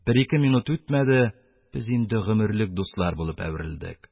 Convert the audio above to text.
Бер-ике минут үтмәде, без инде гомерлек дуслар булып әверелдек.